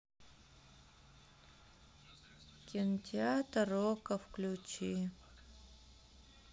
кинотеатр окко включи